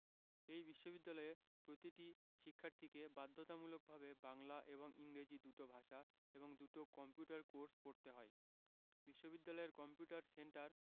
এই বিশ্ববিদ্যালয়ে প্রতিটি শিক্ষার্থীকে বাধ্যতামূলকভাবে বাংলা এবং ইংরেজি দুটো ভাষা এবং দুটো কম্পিউটার কোর্স পড়তে হয় বিশ্ববিদ্যালয়ের কম্পিউটার সেন্টার